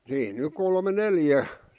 siinä nyt kolme neljä